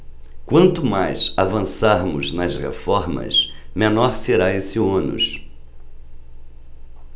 quanto mais avançarmos nas reformas menor será esse ônus